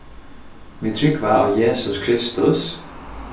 vit trúgva á jesus kristus